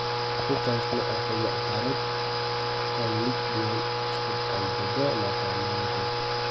u qayiqni orqaga itarib chaqqonlik bilan chiqib oldi da motorni yurgizdi